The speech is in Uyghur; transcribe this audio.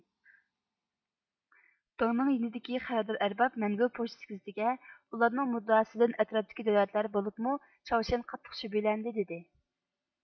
بېڭنىڭ يېنىدىكى خەۋەردار ئەرباب مەنگۇ پوچتىسى گېزىتىگە ئۇلارنىڭ مۇددىئاسىدىن ئەتراپتىكى دۆلەتلەر بولۇپمۇ چاۋشيەن قاتتىق شۈبھىلەندى دىدى